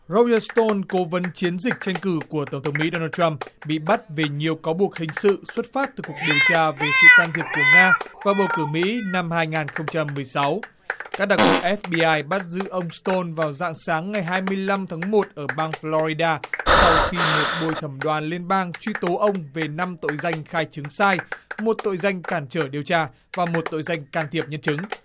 rốp ia tôn cố vấn chiến dịch tranh cử của tổng thống mỹ đô na trăm bị bắt vì nhiều cáo buộc hình sự xuất phát từ cuộc điều tra về sự can thiệp của nga vào bầu cử mỹ năm hai ngàn không trăm mười sáu các đặc vụ ép bi ai bắt giữ ông tôn vào rạng sáng ngày hai mươi lăm tháng một ở bang phờ lo ri đa sau khi một bồi thẩm đoàn liên bang truy tố ông về năm tội danh khai chứng sai một tội danh cản trở điều tra và một tội danh can thiệp nhân chứng